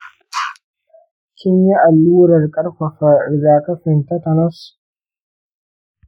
kin yi allurar ƙarfafa rigakafin tetanus?